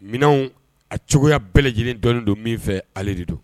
Minɛw, a cogoya bɛɛ lajɛlen dɔɔnin don min fɛ ale de don.